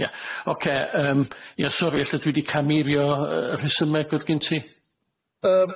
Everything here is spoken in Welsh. Ia ocê yym ia sori ella dwi 'di cameirio yy y rhesymeg o'dd gen ti?